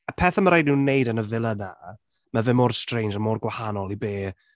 Y pethau mae rhaid i nhw wneud yn y villa 'na, mae fe mor strange a mor gwahanol i be...